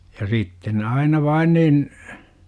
ja sitten ne aina vain niin